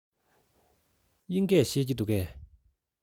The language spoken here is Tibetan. དབྱིན སྐད ཤེས ཀྱི འདུག གས